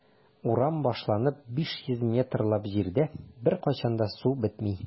Урам башланып 500 метрлап җирдә беркайчан да су бетми.